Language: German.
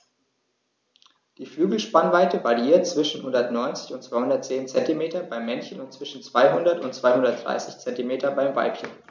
Die Flügelspannweite variiert zwischen 190 und 210 cm beim Männchen und zwischen 200 und 230 cm beim Weibchen.